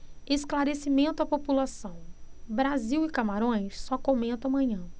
esclarecimento à população brasil e camarões só comento amanhã